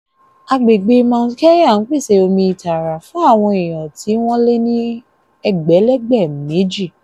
Agbègbè Mount Kenya ń pèsè omi tààrà fún àwọn èèyàn tí wọ́n lé ní ẹgbẹ̀lẹ́gbẹ̀ méjì.